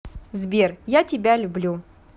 сбер я тебя люблю